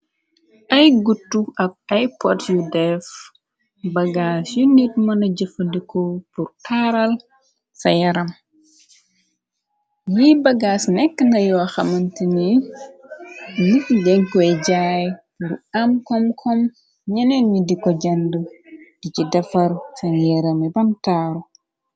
Ay gutu ak ay pot yu bess, bagaas yu nit mëna jëfadiko bur taaral sa yaram , ni bagaas nekk nayoo xamante ni niti denkoy jaay bur am komkom , ñeneen mi diko jànd di ci defar saneerami bam taaru.